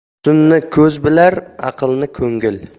husnni ko'z bilar aqlni ko'ngil